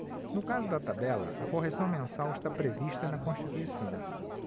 no caso da tabela a correção mensal está prevista na constituição